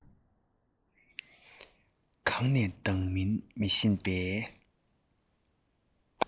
གང ནས ལྡང མིན མི ཤེས པའི